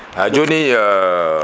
ha joni